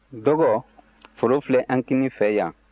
dɔgɔ foro filɛ an kinin fɛ yan